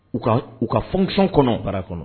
U ka u ka fonction kɔnɔ baara kɔnɔ